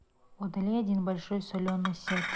удали один большой соленый сет